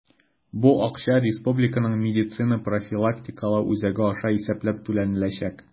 Бу акча Республиканың медицина профилактикалау үзәге аша исәпләп түләнеләчәк.